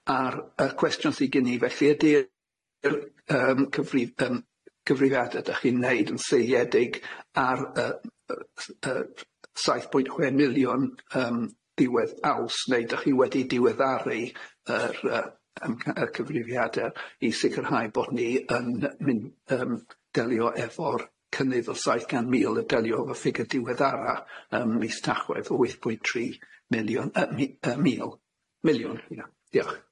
Ar y cwestiwn sydd gen i felly ydy'r yym cyfrif- yym cyfrifiadau dach chi'n wneud yn seiliedig ar y y s- yy saith pwynt chwe miliwn yym diwedd Aws neu dach chi wedi diweddaru yr yy yym y cyfrifiadur i sicrhau bod ni yn mynd yym delio efo'r cynnydd o saith gan mil yn delio efo ffigur diweddara yym mis Tachwedd o wyth pwynt tri miliwn yy mi- yy mil miliwn ia diolch.